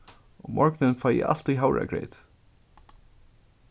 um morgunin fái eg altíð havragreyt